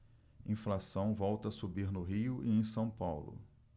inflação volta a subir no rio e em são paulo